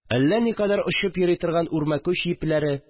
Әллә никадәр очып йөри торган үрмәкүч йипләре